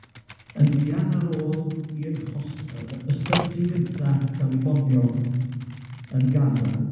yn fuan ar ôl i'r hos- yy ysbyty gynta ga'l 'i bomio yn Gaza.